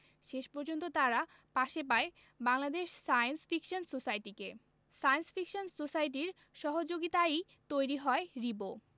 শেষ পর্যন্ত তারা পাশে পায় বাংলাদেশ সায়েন্স ফিকশন সোসাইটিকে সায়েন্স ফিকশন সোসাইটির সহযোগিতায়ই তৈরি হয় রিবো